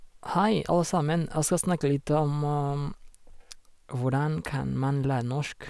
Hei, alle sammen, jeg skal snakke litt om hvordan kan man lære norsk.